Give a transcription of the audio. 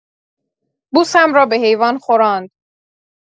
بوسم را به حیوان خوراند